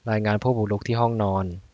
รายงานผู้บุกรุกที่ห้องนอน